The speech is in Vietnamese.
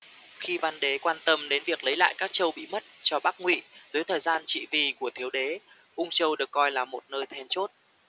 khi văn đế quan tâm đến việc lấy lại các châu bị mất cho bắc ngụy dưới thời gian trị vì của thiếu đế ung châu được coi là một nơi then chốt